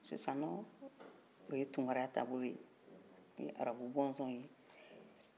sisan n'o ye tounkara taabolo ye n'o ye arabu bɔnsɔn ye